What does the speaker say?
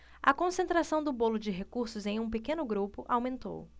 a concentração do bolo de recursos em um pequeno grupo aumentou